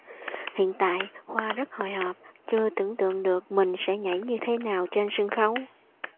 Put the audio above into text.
hiện tại khoa rất hồi hộp chưa tưởng tượng được mình sẽ nhảy như thế nào trên sân khấu